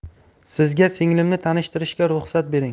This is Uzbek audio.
sizga singlimni tanishtirishga ruxsat bering